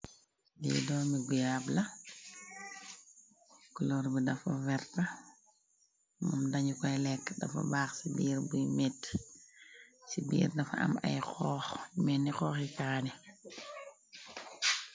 Lii dormi guave la, couleur bii dafa vertah, mom danju koi leku, dafa bakh cii birr bui meti, chi birr dafa am aiiy hoohh, melni hoohii kaaneh.